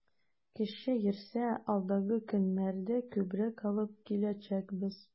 Кеше йөрсә, алдагы көннәрдә күбрәк алып киләчәкбез.